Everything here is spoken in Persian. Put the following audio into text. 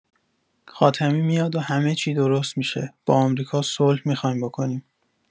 خاتمی میاد و همه چی درست می‌شه، با امریکا صلح می‌خایم بکنیم!